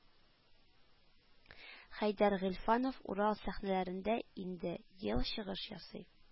Хәйдәр Гыйльфанов Урал сәхнәләрендә инде 15 ел чыгыш ясый